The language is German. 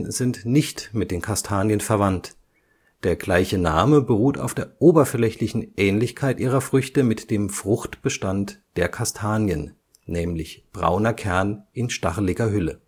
sind nicht mit den Kastanien verwandt, der gleiche Name beruht auf der oberflächlichen Ähnlichkeit ihrer Früchte mit dem Fruchtstand der Kastanien (brauner Kern in stacheliger Hülle